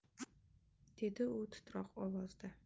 dedi u titroq ovozda